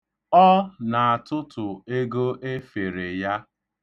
Ọ na-atụtụ ego e fere ya.